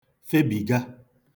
febìga